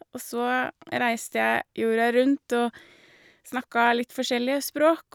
Og så reiste jeg jorda rundt og snakka litt forskjellige språk.